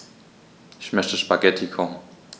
Ich möchte Spaghetti kochen.